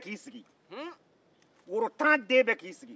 a b'a fɔ woro tan den bɛɛ k'i sigi